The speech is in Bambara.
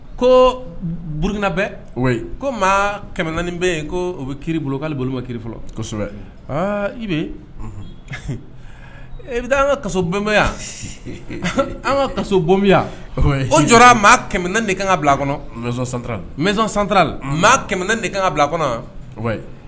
Ko bkina ko maa kɛmɛenin bɛ yen ko o bɛ ki bolo'ale bolo ma ki fɔlɔ kosɛbɛ i bɛ i bɛ taa an kabbɛnya an ka ka bonya o jɔ mɔgɔ kɛmɛ ne de ka kan ka bila kɔnɔ santa maa kɛmɛ ne de ka kan ka bila kɔnɔ